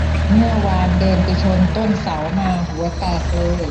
เมื่อวานเดินไปชนต้นเสามาหัวแตกเลย